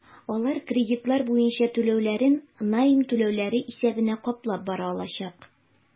Алар кредитлар буенча түләүләрен найм түләүләре исәбенә каплап бара алачак.